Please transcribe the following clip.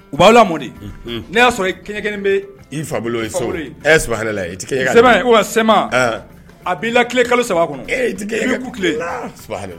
U b'aw la mudi ne y'a sɔrɔ kɛɲɛ kelen bɛ fa ye sɛla sɛ sɛma a'i la kile kalo saba kɔnɔ e ku tile